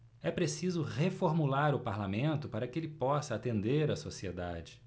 é preciso reformular o parlamento para que ele possa atender a sociedade